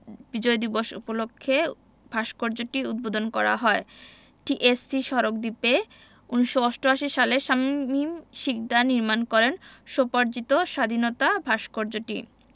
বিজয় দিবস উপলক্ষে ভাস্কর্যটি উদ্বোধন করা হয় টিএসসি সড়ক দ্বীপে ১৯৮৮ সালে শামমীম শিকদার নির্মাণ করেন স্বোপার্জিত স্বাধীনতা ভাস্কর্যটি